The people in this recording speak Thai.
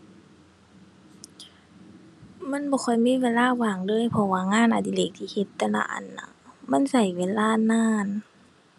มันบ่ค่อยมีเวลาว่างเลย เพราะว่างานอดิเรกที่เฮ็ดแต่ละอันน่ะ มันใช้เวลานาน